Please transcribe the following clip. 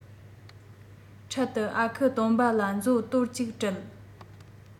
འཕྲལ དུ ཨ ཁུ སྟོན པ ལ མཛོ དོར གཅིག སྤྲད